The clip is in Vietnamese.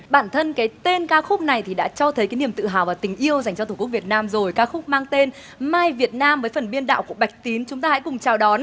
bản thân cái tên ca khúc này thì đã cho thấy cái niềm tự hào và tình yêu dành cho tổ quốc việt nam rồi ca khúc mang tên mai việt nam với phần biên đạo của bạch tín chúng ta hãy cùng chào đón